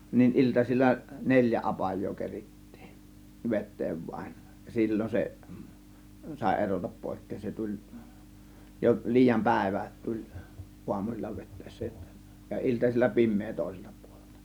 niin iltaisin neljä apajaa kerittiin vetää vain ja silloin se sai erota pois se tuli jo liian päivä tuli aamuisin vetäessä jotta ja iltasilla pimeä toiselta puolelta